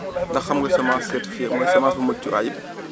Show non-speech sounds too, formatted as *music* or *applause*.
*crosstalk* ndax xam nga semence certifiée *crosstalk* mooy semence bu mucc ayib